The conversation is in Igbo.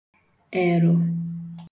erụ